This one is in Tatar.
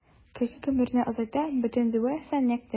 Көлке гомерне озайта — бөтен дәва “Сәнәк”тә.